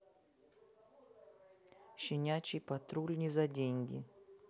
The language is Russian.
щенячий патруль не за деньги